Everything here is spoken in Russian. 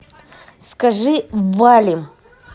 скажи валим